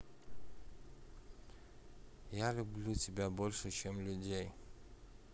я люблю тебя больше чем людей